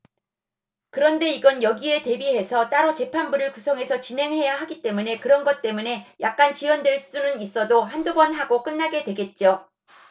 그런데 이건 여기에 대비해서 따로 재판부를 구성해서 진행해야 하기 때문에 그런 것 때문에 약간 지연될 수는 있어도 한 두 번 하고 끝나게 되겠죠